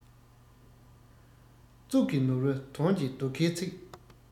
གཙུག གི ནོར བུ དོན གྱི རྡོ ཁའི ཚིག